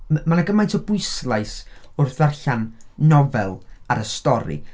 Mae 'na gymaint o bwyslais wrth ddarllen nofel, ar y stori.